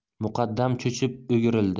muqaddam cho'chib o'girildi